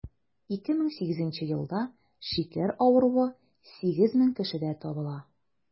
2008 елда шикәр авыруы 8 мең кешедә табыла.